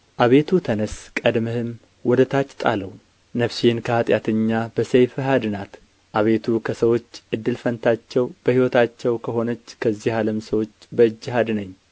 አቤቱ ተነሥ ቀድመህ ወደ ታች ጣለው ነፍሴን ከኃጢአተኛ በሰይፍህ አድናት አቤቱ ከሰዎች እድል ፈንታቸው በሕይወታቸው ከሆነች ከዚህ ዓለም ሰዎች በእጅህ አድነኝ